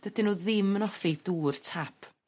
Dydyn n'w ddim yn offi dŵr tap.